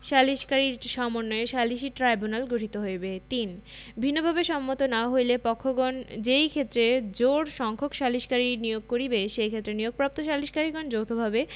সালিসকারী সমন্বয়ে সালিসী ট্রাইব্যুনাল গঠিত হইবে ৩ ভিন্নভাবে সম্মত না হইলে পক্ষগণ যেইক্ষেত্রে জোড়সংখ্যক সালিসকারী নিয়েঅগ করিবে সেইক্ষেত্রে নিয়োগপ্রাপ্ত সালিসকারীগণ যৌথভাবে